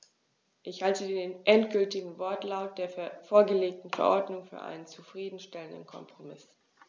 Ich halte den endgültigen Wortlaut der vorgelegten Verordnung für einen zufrieden stellenden Kompromiss.